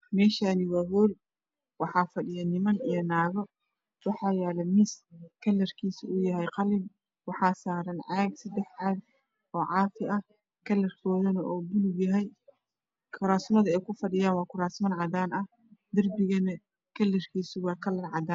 Meeshaan waa hool waxa fadhiya nimman iyo naago waxa yaallo miis kalarkiisu yahay qallin waxa saarran siddex caag oo caaffi ah kallarkoodu oo balluug ayahay kurraasmada ey ku fadhiyaan waa ku raasman caddaaan ah darbiganah kallarkiisunah waa caddaan